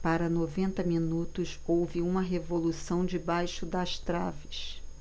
para noventa minutos houve uma revolução debaixo das traves